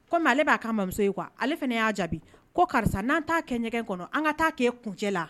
Ko ale b'a amuso ye kuwa ale fana y'a jaabi ko karisa n'an t'a kɛ ɲɛgɛn kɔnɔ an ka taa k'e kuncɛ la